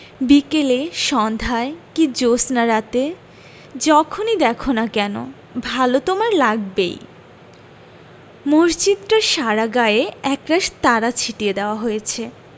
বিকেলে সন্ধায় কি জ্যোৎস্নারাতে যখনি দ্যাখো না কেন ভালো তোমার লাগবেই মসজিদটার সারা গায়ে একরাশ তারা ছিটিয়ে দেয়া হয়েছে